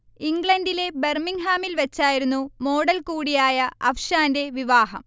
ഇംഗ്ലണ്ടിലെ ബർമിങ്ഹാമിൽ വെച്ചായിരുന്നു മോഡൽ കൂടിയായ അഫ്ഷാന്റെ വിവാഹം